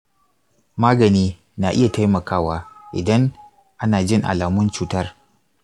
magani na iya taimakawa idan ana jin alamun cutar .